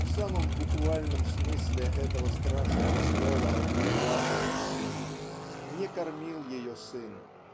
в самом буквальном смысле этого страшного слова умерла Анисья не кормил ее сын